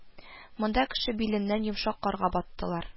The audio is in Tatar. Монда кеше биленнән йомшак карга баттылар